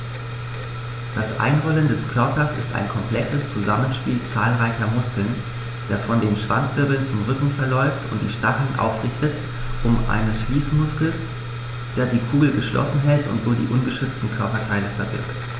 Das Einrollen des Körpers ist ein komplexes Zusammenspiel zahlreicher Muskeln, der von den Schwanzwirbeln zum Rücken verläuft und die Stacheln aufrichtet, und eines Schließmuskels, der die Kugel geschlossen hält und so die ungeschützten Körperteile verbirgt.